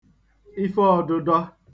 ife ọdụdọ